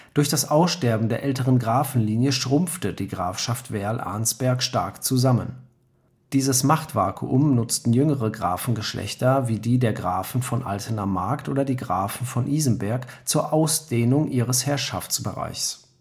Durch das Aussterben der älteren Grafenlinie schrumpfte die Grafschaft Werl-Arnsberg stark zusammen. Dieses Machtvakuum nutzten jüngere Grafengeschlechter wie die der Grafen von Altena-Mark oder die Grafen von Isenberg zur Ausdehnung ihres Herrschaftsbereichs